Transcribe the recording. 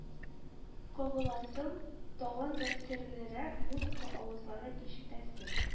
Кагыласым, тагын да серлерәк музыка авазлары ишетәсем